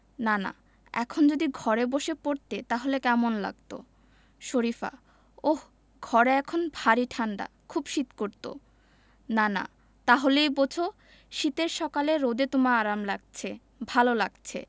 নানা এখন যদি ঘরে বসে পড়তে তাহলে কেমন লাগত শরিফা ওহ ঘরে এখন ভারি ঠাণ্ডা খুব শীত করত নানা তা হলেই বোঝ শীতের সকালে রোদে তোমার আরাম লাগছে